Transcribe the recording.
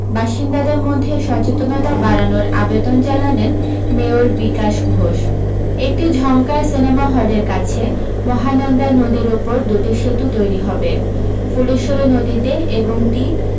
বাসিন্দাদের মধ্যে সচেতনতা বাড়ানোর আবেদন জানালেন মেয়র বিকাশ ঘোষ একটি ঝংকার সিনেমা হলের কাছে মহানন্দা নদীর উপর দুটি সেতু তৈরী হবে ফূলেশ্বরী নদীতে এবং টি